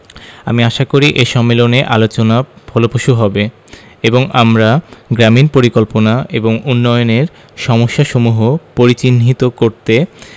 আমি আশা করি এ সম্মেলনে আলোচনা ফলপ্রসূ হবে এবং আমরা গ্রামীন পরিকল্পনা এবং উন্নয়নের সমস্যাসমূহ পরিচিহ্নিত করতে